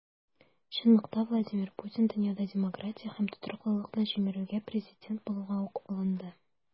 Чынлыкта Владимир Путин дөньяда демократия һәм тотрыклылыкны җимерүгә президент булуга ук алынды.